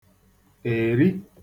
èri